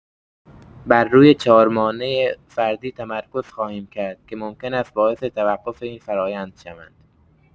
بر روی چهار مانع فردی تمرکز خواهیم کرد که ممکن است باعث توقف این فرایند شوند.